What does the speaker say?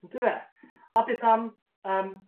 On'd yfe? A beth am yym